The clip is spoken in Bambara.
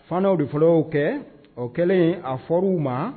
Fanɛw de fɔlɔ y'o kɛɛ o kɛlen a fɔru'w maa